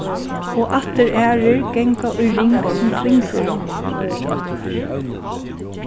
og aftur aðrir ganga í ring sum klingrur